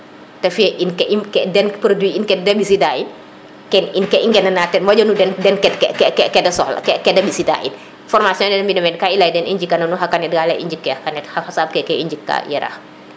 te fiiye in in ka i den produit kene de mbisida in ken ke i ŋena nda ten moƴanu den ke ke ke de soxla kede mbisida in formation ne nu mbina mene ka i leya den i njika na nuun xa kanet ga leye i njike xa kanet xa fasaɓ keke i njika yo yere